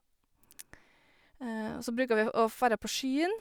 Og så bruker vi å færra på sjyn.